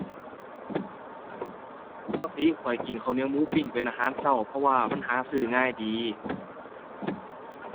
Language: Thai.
ปกติข้อยกินข้าวเหนียวหมูปิ้งเป็นอาหารเช้า เพราะว่ามันหาซื้อง่ายดี